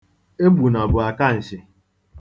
Egbuna bụ akanshị.